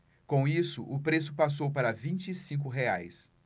com isso o preço passou para vinte e cinco reais